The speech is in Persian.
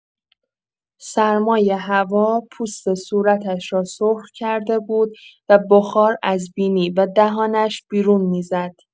سرمای هوا پوست صورتش را سرخ کرده بود و بخار از بینی و دهانش بیرون می‌زد.